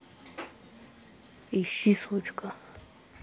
ищи сучка